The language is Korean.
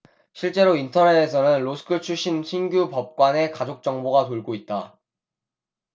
실제로 인터넷에는 로스쿨 출신 신규 법관의 가족 정보가 돌고 있다